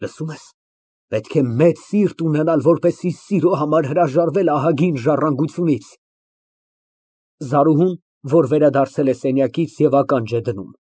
Լսո՞ւմ ես. պետք է մեծ սիրտ ունենալ, որպեսզի սիրո համար հրաժարվել ահագին ժառանգությունից։ (Զարուհուն, որ վերադարձել է սենյակից և ականջ է դնում)։